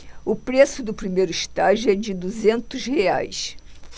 o preço do primeiro estágio é de duzentos reais